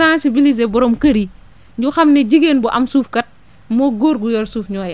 sensibiliser borom kër yi ñu xam ne jigéen bu am suuf kat moog góor gu yore suuf ñoo yem